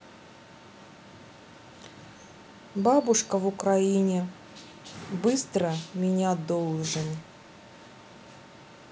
бабушка в украине быстро меня должен